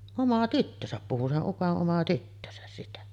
oma tyttönsä puhui sen ukon oma tyttönsä sitä